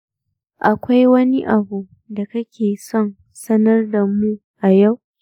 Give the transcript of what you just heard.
akwai wani abu da kake son sanar da mu a yau?